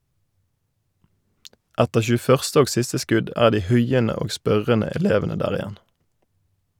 Etter 21. og siste skudd er de huiende og spørrende elevene der igjen.